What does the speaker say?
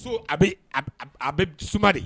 So bɛ a bɛ sobari